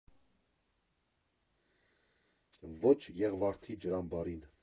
Ո՛չ Եղվարդի ջրամբարին։